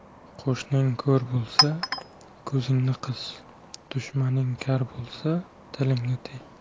qo'shning ko'r bo'lsa ko'zingni qis dushmaning kar bo'lsa tilingni tiy